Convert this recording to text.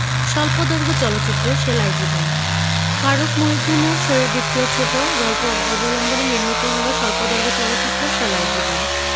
স্বল্পদৈর্ঘ্য চলচ্চিত্র সেলাই জীবন ফারুক মহিউদ্দিনের শরীরবৃত্তীয় ছোট গল্প অবলম্বনে নির্মিত হল স্বল্পদৈর্ঘ্য চলচ্চিত্র সেলাই জীবন